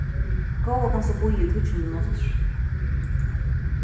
góða kanst tú bíða í tíggju minuttir